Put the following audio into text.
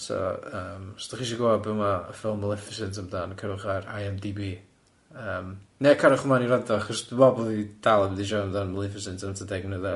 So yym os dach chi isio gwbo be' ma' y ffilm Maleficent amdan, cerwch ar I Em Dee Bee, yym neu cariwch ymlaen i rando achos dw i'n meddwl bod ni 'di dal yn mynd i siarad amdan Maleficent am tua deg munud arall.